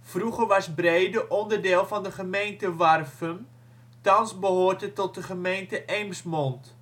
Vroeger was Breede onderdeel van de gemeente Warffum, thans behoort het tot de gemeente Eemsmond